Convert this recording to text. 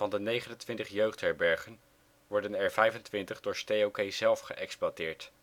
de 29 jeugdherbergen worden er 25 door Stayokay zelf geëxploiteerd